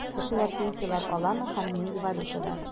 Кешеләр пенсияләр аламы һәм нинди валютада?